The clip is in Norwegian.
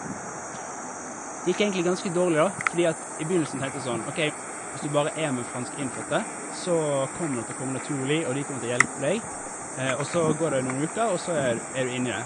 Det gikk egentlig ganske dårlig, da, fordi at i begynnelsen tenkte jeg sånn OK hvis du bare er med franske innfødte, så kommer det til å komme naturlig, og de kommer til å hjelpe deg, og så går det noen uker, og så er du er du inni det.